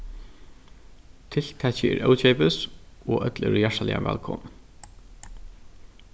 tiltakið er ókeypis og øll eru hjartaliga vælkomin